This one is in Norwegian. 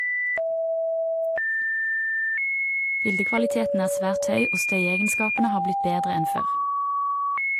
Bildekvaliteten er svært høy, og støyegenskapene har blitt bedre enn før.